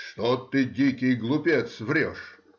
— Что ты, дикий глупец, врешь!